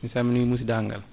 mi salmini musidɗagal